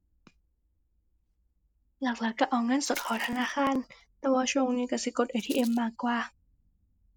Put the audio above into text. หลักหลักก็เอาเงินสดเข้าธนาคาร แต่ว่าช่วงนี้ก็สิกด ATM มากกว่า